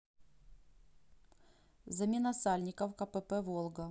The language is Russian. замена сальников кпп волга